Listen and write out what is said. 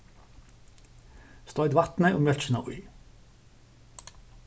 stoyt vatnið og mjólkina í